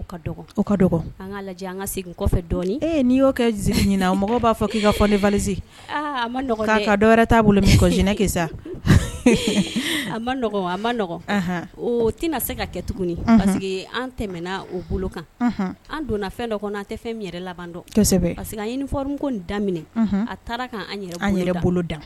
'i y mɔgɔ b'a fɔ k'i ka fɔ v ka' bolo jɛnɛ ma ma o tɛna se ka kɛ tuguni pa an tɛmɛna o bolo kan an donna fɛn dɔ an tɛ fɛn laban que ɲinifɔrin ko daminɛ a taara' an yɛrɛ yɛrɛ bolo da